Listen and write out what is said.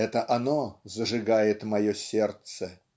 это оно зажигает мое сердце.